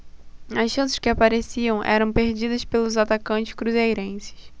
as chances que apareciam eram perdidas pelos atacantes cruzeirenses